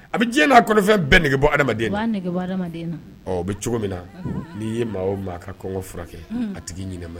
A bɛ diɲɛ' afɛn bɛɛ nɛgɛge bɔ adamaden o bɛ cogo min na n'i ye maa o maa ka kɔn furakɛ a tigi ɲininma